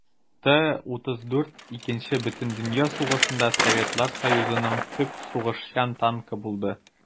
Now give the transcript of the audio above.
Т-34 Икенче бөтендөнья сугышында Советлар Союзының төп сугышчан танкы булды.